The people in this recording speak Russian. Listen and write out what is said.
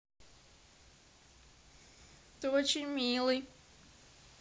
ты очень милый